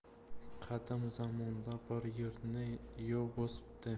qadim zamonda bir yurtni yov bosibdi